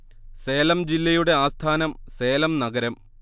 സേലം ജില്ലയുടെ ആസ്ഥാനം സേലം നഗരം